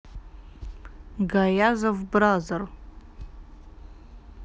gayazov$ brother$